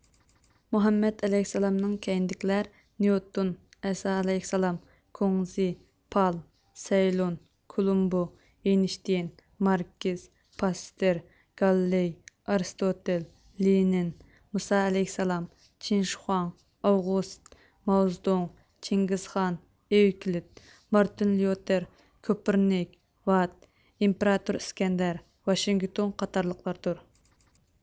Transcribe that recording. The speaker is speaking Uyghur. مۇھەممەد ئەلەيھىسسالامنىڭ كەينىدىكىلەر نيۇتون ئەيسائەلەيھىسسالام كۇڭزى پال سەيلۇن كولومبۇ ئېينىشتېين ماركىس پاستېر گاللىي ئارستوتىل لېنىن مۇسا ئەلەيھىسسالام چىن شىخۇاڭ ئاۋغۇست ماۋ زېدۇڭ چىڭگىزخان ئېۋكلىد مارتېن ليوتېر كوپېرنىك ۋات ئىمپېراتور ئىسكەندەر ۋاشىنگتون قاتارلىقلاردۇر